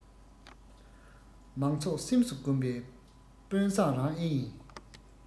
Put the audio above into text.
མང ཚོགས སེམས སུ བསྒོམས པའི དཔོན བཟང རང ཨེ ཡིན